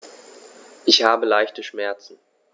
Ich habe leichte Schmerzen.